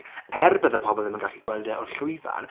er byddai pobl ddim yn gallu gweld e o'r llwyfan...